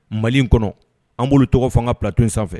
Mali in kɔnɔ an' tɔgɔ fanga bila tun in sanfɛ